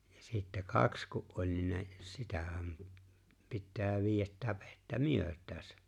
ja sitten kaksi kun oli niin ne sitähän pitää viedä täpettä myötäänsä